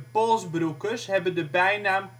Polsbroekers hebben de bijnaam